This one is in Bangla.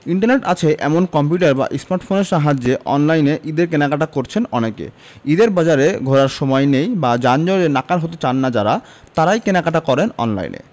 ইন্টারনেট আছে এমন কম্পিউটার বা স্মার্টফোনের সাহায্যে অনলাইনে ঈদের কেনাকাটা করছেন অনেকে ঈদের বাজারে ঘোরার সময় নেই বা যানজটে নাকাল হতে চান না যাঁরা তাঁরাই কেনাকাটা করেন অনলাইনে